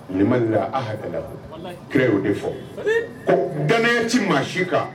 Nin malila a hala ke y'o de fɔ ko danti maa su kan